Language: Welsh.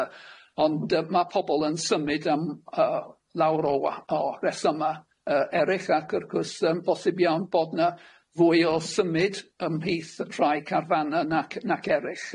yy ond yy ma' pobol yn symud yym yy lawr o wa- o resyma yy eryll ac wrth gwrs yym bosib iawn bod na fwy o symud ym mhith rhai carfanna nac nac eryll,